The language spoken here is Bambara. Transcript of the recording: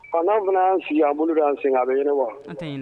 A n'a fana y'an sigi k'an bolo d'an sen kan a bɛ ɲɛnabɔ wa, a tɛ ɲɛnabɔ